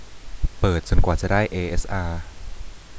เปิดจนกว่าจะได้เอเอสอา